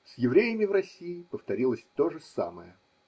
С евреями в России повторилось то же самое.